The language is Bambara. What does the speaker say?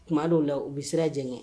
Tuma dɔw la u bɛ sira jɛgɛn